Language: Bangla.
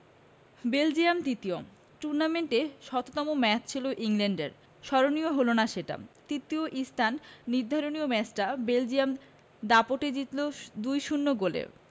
বেলজিয়াম তৃতীয় টুর্নামেন্টে শততম ম্যাচ ছিল ইংল্যান্ডের স্মরণীয় হলো না সেটা তৃতীয় স্থান নির্ধারণী ম্যাচটা বেলজিয়াম দাপটে জিতল ২ ০ গোলে